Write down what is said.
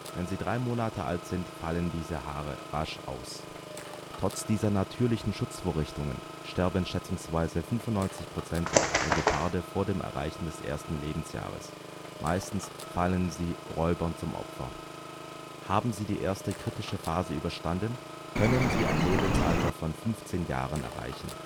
Wenn sie drei Monate alt sind, fallen diese Haare rasch aus. Trotz dieser natürlichen Schutzvorrichtungen sterben schätzungsweise 95 % der Geparde vor dem Erreichen des ersten Lebensjahres; meistens fallen sie Räubern zum Opfer. Haben sie die erste kritische Phase überstanden, können sie ein Lebensalter von fünfzehn Jahren erreichen